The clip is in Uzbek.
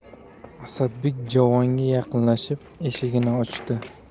asadbek javonga yaqinlashib eshigini ochdi